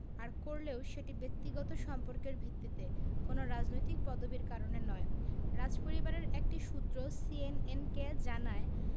আর করলেও সেটি ব্যক্তিগত সম্পর্কের ভিত্তিতে কোনো রাজনৈতিক পদবির কারণে নয় রাজপরিবারের একটি সূত্র সিএনএনকে জানায়